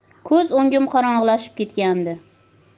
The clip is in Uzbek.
ko'z o'ngim qorong'ilashib ketgandi